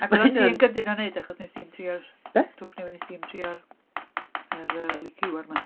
Ac roeddat ti'n gyndyn o neud achos wnes di'm trio'r stwff newydd. Wnes di'm trio'r yr yy liqueur 'ma.